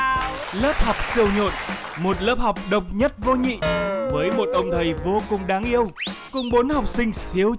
lớp học siêu nhộn một lớp học độc nhất vô nhị với một người vô cùng đáng yêu cùng bốn học sinh siêu chất